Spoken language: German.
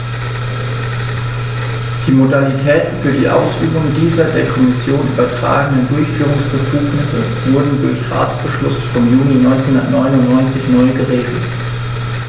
Die Modalitäten für die Ausübung dieser der Kommission übertragenen Durchführungsbefugnisse wurden durch Ratsbeschluss vom Juni 1999 neu geregelt.